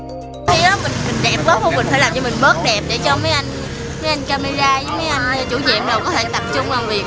khi á mình mình đẹp quá mình phải làm cho mình bớt đẹp để cho mấy anh mấy anh cam me ra với mấy anh chủ nhiệm đều có thể tập trung làm việc